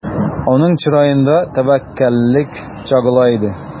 Аның чыраенда тәвәккәллек чагыла иде.